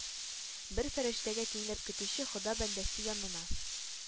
Бер фәрештәгә тиңләп көтүче хода бәндәсе янына.